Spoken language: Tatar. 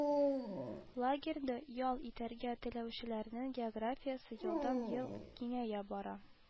Лагерьда ял итәргә теләүчеләрнең географиясе елдан-ел киңәя бара